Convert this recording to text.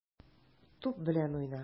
Туп белән уйна.